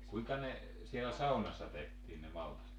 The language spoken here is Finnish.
kuinka ne siellä saunassa tehtiin ne maltaat